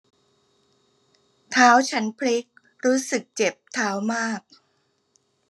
เท้าฉันพลิกรู้สึกเจ็บเท้ามาก